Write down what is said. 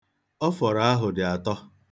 Ọfọrọ ahụ dị atọ.